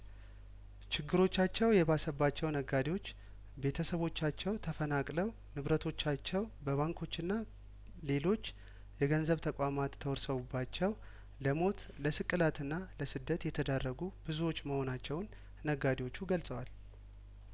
ችግሮቻቸው የባሰባቸው ነጋዴዎች ቤተሰቦቻቸው ተፈናቅለው ንብረቶቻቸው በባንኮችና ሌሎች የገንዘብ ተቋማት ተወርሰውባቸው ለሞት ለስቅላትና ለስደት የተዳረጉ ብዙዎች መሆናቸውን ነጋዴዎቹ ገልጸዋል